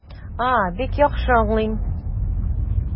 А, бик яхшы аңлыйм.